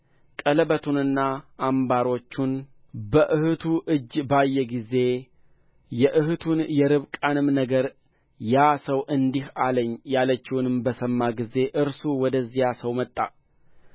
ቀለበቱንና አምባሮቹን በእኅቱ እጅ ባየ ጊዜ የእኅቱን የርብቃንም ነገር ያ ሰው እንዲህ አለኝ ያለችውን በሰማ ጊዜ እርሱ ወደዚያ ሰው መጣ